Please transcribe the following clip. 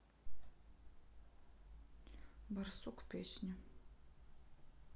барсук песня